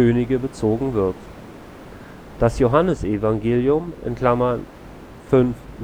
Könige bezogen wird. Das Johannesevangelium (5,19ff